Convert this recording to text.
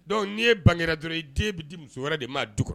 Donc n'i e bangera dɔrɔn i den bi di muso wɛrɛ de ma du kɔnɔ